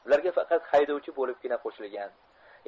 bularga faqat haydovchi bo'libgina qo'shilgan